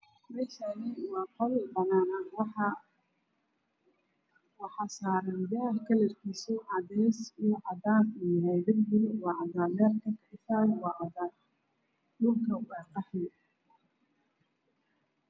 me Shani wa qol banan waxa saran daah kalarkisa cades iya cadaan uyahay barbiga wacadan lerka wa cadan dhulka wa qaxwi